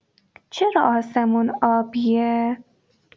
چرا آسمون آبیه؟